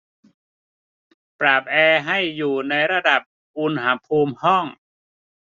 ปรับแอร์ให้อยู่ในระดับอุณหภูมิห้อง